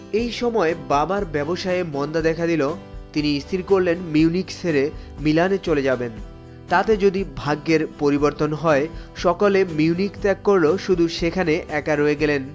এই সময়ে বাবার ব্যবসায় মন্দা দেখা দিল তিনি স্থির করলেন মিউনিক ছেড়ে মিলানে চলে যাবেন তাতে যদি ভাগ্যের পরিবর্তন হয় সকলে মিউনিক ত্যাগ করল শুধু সেখানে একা রয়ে গেলেন